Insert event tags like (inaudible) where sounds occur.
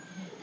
(hesitation) (hesitation)